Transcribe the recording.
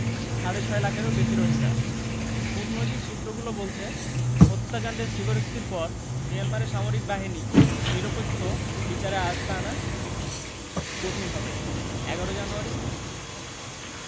সাড়ে ছয় লাখেরও বেশি রোহিঙ্গা কূটনৈতিক সূত্রগুলো বলছে হত্যাকাণ্ডের স্বীকারোক্তির পরও মিয়ানমারের সামরিক বাহিনীকে নিরপেক্ষ বিচারের আওতায় আনা কঠিন হবে ১১ জানুয়ারি